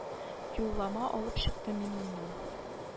Юллама алып чыктым мин моннан